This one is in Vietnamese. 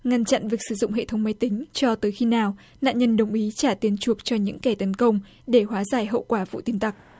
ngăn chặn việc sử dụng hệ thống máy tính cho tới khi nào nạn nhân đồng ý trả tiền chuộc cho những kẻ tấn công để hóa giải hậu quả vụ tin tặc